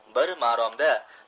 bir maromda